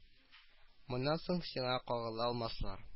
Моннан соң сиңа кагыла алмаслар